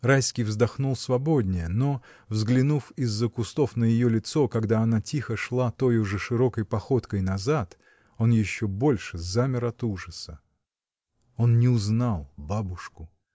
Райский вздохнул свободнее, но, взглянув из-за кустов на ее лицо, когда она тихо шла тою же широкой походкой назад, — он еще больше замер от ужаса. Он не узнал бабушку.